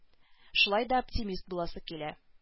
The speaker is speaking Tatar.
Шулай да оптимист буласы килә